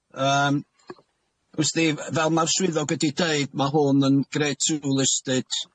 Yym wuddes di fel ma'r swyddog wedi deud ma' hwn yn grade two listed.